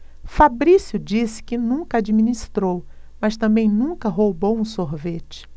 fabrício disse que nunca administrou mas também nunca roubou um sorvete